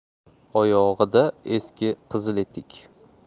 oyog'ida eski qizil etik